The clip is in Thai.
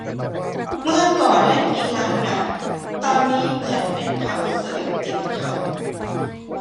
เมื่อก่อนเล่นกีฬาหนักตอนนี้เหมือนเป็นเข่าเสื่อมเจ็บเข่า